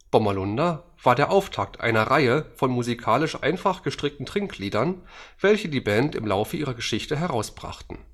Bommerlunder war der Auftakt einer Reihe von musikalisch einfach gestrickten Trinkliedern, welche die Band im Laufe ihrer Geschichte herausbrachten